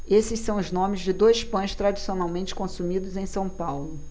esses são os nomes de dois pães tradicionalmente consumidos em são paulo